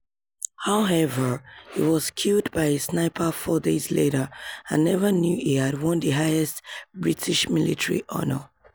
However, he was killed by a sniper four days later and never knew he had won the highest British military honor.